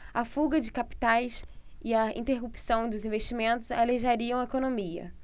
a fuga de capitais e a interrupção dos investimentos aleijariam a economia